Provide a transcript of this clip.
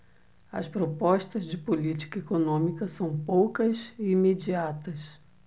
as propostas de política econômica são poucas e imediatas